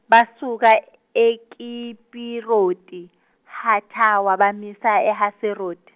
basuka eKibiroti Hathawa bamisa eHaseroti.